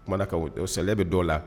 U kumana a ka, o sɛlaya bɛ dɔw la